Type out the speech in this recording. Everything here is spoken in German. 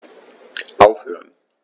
Aufhören.